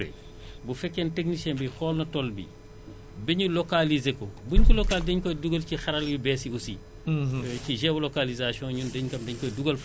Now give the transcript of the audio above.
léegi nag li mu laaj aussi fi ñu ne ñun dañu ne booy assurer bu fekkee ne technicien bi xool na tool bi ba ñu localiser ko bu ñu ko localiser dañ koy dugal ci xarala yu bees yi aussi